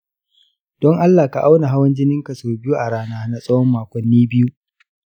don allah ka auna hawan jininka sau biyu a rana na tsawon makonni biyu.